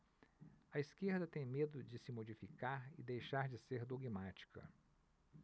a esquerda tem medo de se modificar e deixar de ser dogmática